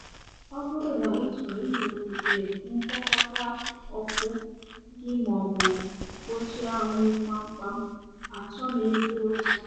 Ọ bụrụ na ị chọrọ iwegote mkpokọta okpu gị ma ọ bụ gbochie anwụ kpamkpam, achọna ebe ọzọ.